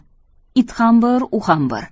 it ham bir u ham bir